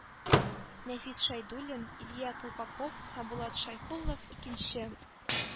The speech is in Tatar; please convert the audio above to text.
Нәфис Шәйдуллин, Илья Колпаков һәм Булат Шәйхуллов – икенче,